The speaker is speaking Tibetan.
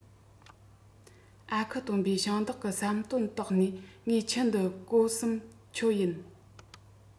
ཨ ཁུ སྟོན པས ཞིང བདག གི བསམ དོན རྟོགས ནས ངའི ཁྱི འདི གོ གསུམ ཆོད ཡིན